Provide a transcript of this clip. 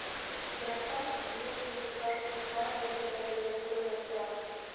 Ерактан ук өйнең инде тоташ утка әверелгәнлеге күренеп тора.